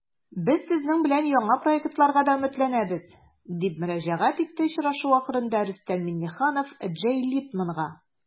Без сезнең белән яңа проектларга да өметләнәбез, - дип мөрәҗәгать итте очрашу ахырында Рөстәм Миңнеханов Джей Литманга.